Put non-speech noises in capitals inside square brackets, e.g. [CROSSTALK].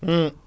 [HESITATION] [HESITATION]